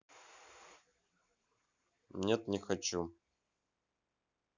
нет не хочу